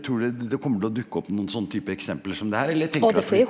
tror du det kommer til å dukke opp noen sånn type eksempler som det her eller tenker du at vi?